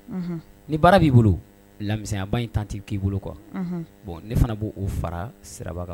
Unhun ni baara b'i bolo lamisɛnyaba in temps ti k'i bolo quoi unhun ɔ ne fana be o fara Siraba ka